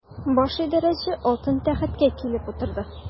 Баш идарәче алтын тәхеткә килеп утырды.